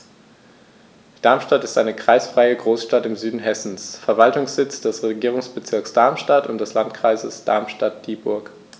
Darmstadt ist eine kreisfreie Großstadt im Süden Hessens, Verwaltungssitz des Regierungsbezirks Darmstadt und des Landkreises Darmstadt-Dieburg.